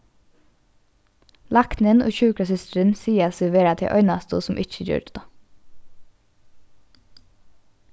læknin og sjúkrasystirin siga seg vera tey einastu sum ikki gjørdu tað